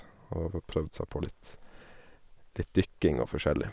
Og har fått prøvd seg på litt litt dykking og forskjellig.